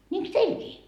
niinkö teilläkin